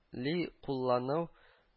Ли куллану